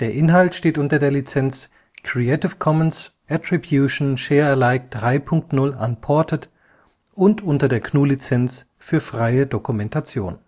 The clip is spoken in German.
Inhalt steht unter der Lizenz Creative Commons Attribution Share Alike 3 Punkt 0 Unported und unter der GNU Lizenz für freie Dokumentation